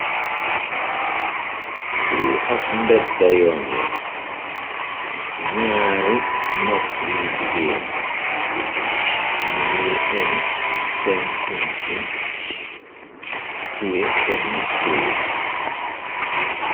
Fi ab mbedda yoon la ñaari mag yu jigéen ñu ngi enu seen singing tie seen siiwu.